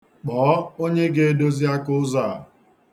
Kpọọ onye ga-edozi aka ụzọ a.